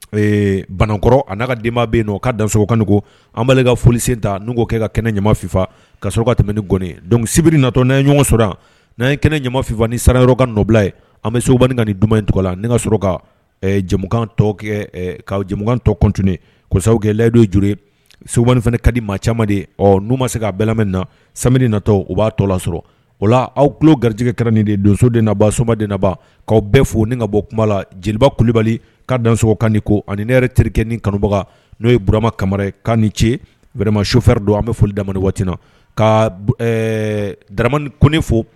Banakɔrɔ a n' denma bɛ yen o ka dansokaningo an b'ale ka foli sen ta n'u'o kɛ ka kɛnɛ ɲamamafinfa ka sɔrɔ ka tɛmɛ ni gɔni don sibiri natɔ n' ɲɔgɔn sɔrɔ'an ye kɛnɛmafinfa ni sara yɔrɔ ka nɔbilaye an bɛ sobanin ka ni duman in tɔgɔ la ka sɔrɔ ka kakan tɔt kɔsaw kɛ layidu juruure sobanin fana ka di maa camanma de ɔ n'u ma se k'a bɛ na sa natɔ u b'a tɔ la sɔrɔ wala la aw tulolo garijɛ kɛrarɛn nin de donso de naba soma de naba'aw bɛɛ fo ni ka bɔ kuma la jeliba ku kulubali kaa dankan ko ani ne yɛrɛ terikɛke ni kanubaga n'o ye bma kamara ka ni ce wɛrɛma su fɛrɛɛrɛ don an bɛ foli dama waatiina ka d ko ne fo